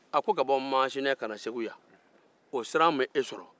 a ko ka bɔ masina ka na segu yan o siran ma e sɔrɔ